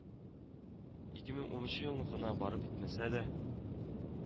Ике мең унынчы елныкына барып итмәсә дә